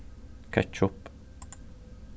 kettjup